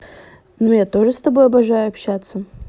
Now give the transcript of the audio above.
ну я тоже с тобой обожаю общаться